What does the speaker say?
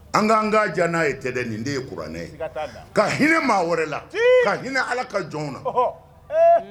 An k'an kan diya n'a ye tɛ dɛ, nin de ye kuranɛ ye; siga t'a la; ka hinɛ maa wɛrɛ la; Hii; Ka hinɛ Ala ka jɔn na; Ɔnhɔn.